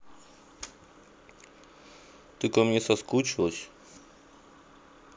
ты ко мне соскучилась